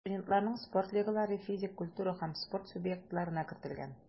Студентларның спорт лигалары физик культура һәм спорт субъектларына кертелгән.